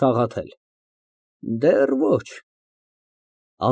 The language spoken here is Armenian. ՍԱՂԱԹԵԼ ֊ Դեռ ոչ։